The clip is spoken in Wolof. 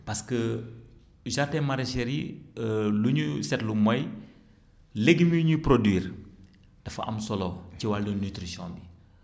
parce que jardin maraichers yi lu ñu seetlu mooy légumes yi ñuy produire dafa am solo ci wàllu nutrition bi